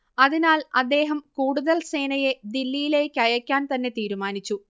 അതിനാൽ അദ്ദേഹം കൂടുതൽ സേനയെ ദില്ലിയിലേക്കയക്കാൻതന്നെ തീരുമാനിച്ചു